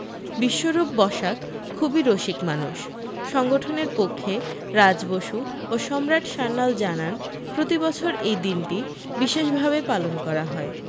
বিশ্বরূপ বসাক খুবি রসিক মানুষ সংগঠনের পক্ষে রাজ বসু ও সম্রাট সান্যাল জানান প্রতি বছর এই দিনটি বিশেষভাবে পালন করা হয়